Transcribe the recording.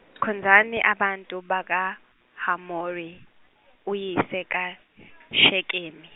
khonzani abantu bakaHamori, uyise kaShekemi.